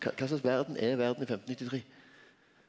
kva kva slag verd er verda i femtennittitre?